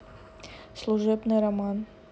служебный роман